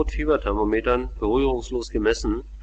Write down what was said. Infrarot-Fieberthermometern berührungslos gemessen